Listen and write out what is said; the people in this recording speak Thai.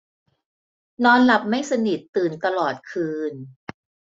นอนหลับไม่สนิทตื่นตลอดคืน